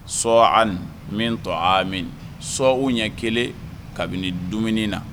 sɔhuu ɲɛ kelen kabini dumuni na